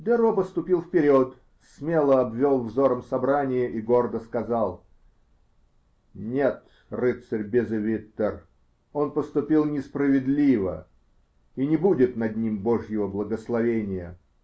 Де Роба ступил вперед, смело обвел взором собрание и гордо сказал: -- Нет, рыцарь Безевиттер, он поступил несправедливо, и не будет над ним Божьего благословения.